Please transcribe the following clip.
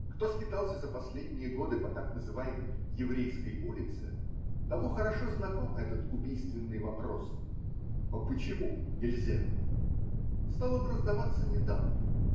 Кто скитался за последние годы по так называемой еврейской улице, тому хорошо знаком этот убийственный вопрос: А почему нельзя? Стал он раздаваться недавно.